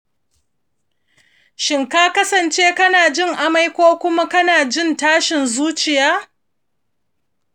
shin ka kasance kana yin amai ko kuma kana jin tashin zuciya?